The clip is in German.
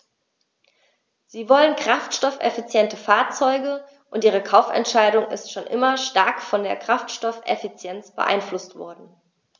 Sie wollen kraftstoffeffiziente Fahrzeuge, und ihre Kaufentscheidung ist schon immer stark von der Kraftstoffeffizienz beeinflusst worden.